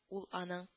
Ул аның